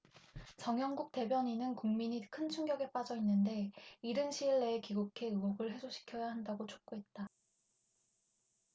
정연국 대변인은 국민이 큰 충격에 빠져 있는데 이른 시일 내에 귀국해 의혹을 해소시켜야 한다고 촉구했다